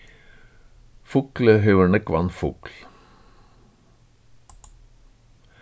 fugloy hevur nógvan fugl